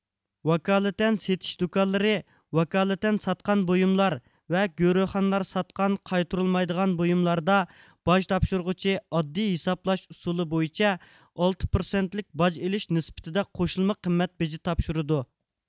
ۋاكالىتەن سېتىش دۇكانلىرى ۋاكالىتەن ساتقان بويۇملار ۋە گۆرۆخانىلار ساتقان قايتۇرۇلمايدىغان بۇيۇملاردا باج تاپشۇرغۇچى ئاددىي ھېسابلاش ئۇسۇلى بويىچە ئالتە پىرسەنتلىك باج ئېلىش نىسبىتىدە قوشۇلما قىممەت بېجى تاپشۇرىدۇ